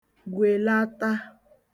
gwèlata